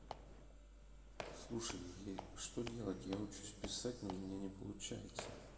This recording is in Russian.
слушай что делать я учусь писать но у меня не получается